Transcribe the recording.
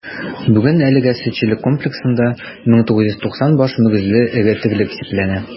Бүген әлеге сөтчелек комплексында 1490 баш мөгезле эре терлек исәпләнә.